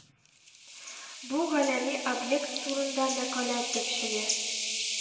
Бу галәми объект турында мәкалә төпчеге